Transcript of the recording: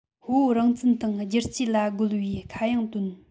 བོད རང བཙན དང བསྒྱུར བཅོས ལ རྒོལ བའི ཁ གཡང བཏོན